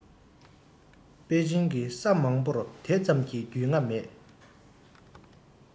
པེ ཅིང གི ས མང པོར དེ ཙམ གྱི རྒྱུས མངའ མེད